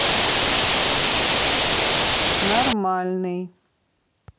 нормальный